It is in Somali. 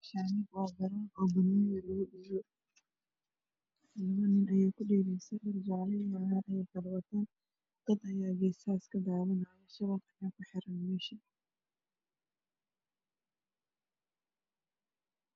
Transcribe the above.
Meeshaani waa banaan oo banooni lagu dheelo dad ayaa gesah ka Dana o shabaq Aya ku xiran